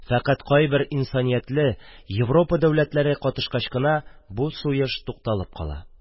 Фәкать кайбер «инсаниятле» Европа дәүләтләре катышкач кына, бу суеш тукталып кала.